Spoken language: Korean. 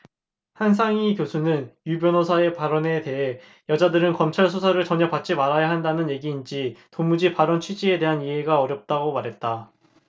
한상희 교수는 유 변호사의 발언에 대해 여자들은 검찰수사를 전혀 받지 말아야 한다는 얘기인지 도무지 발언 취지에 대한 이해가 어렵다고 말했다